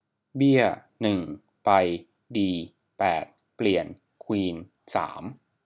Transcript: เบี้ยหนึ่งไปดีแปดเปลี่ยนควีนสาม